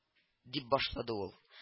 —дип башлады ул